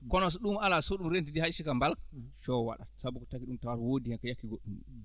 kono so ɗum alaa so ɗum rentiti hay si ko balka coow waɗat tan sabu ko tagi ɗum tawat ko woodi heen ko yakki goɗɗum